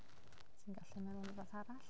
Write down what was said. Ti'n gallu meddwl am rywbeth arall?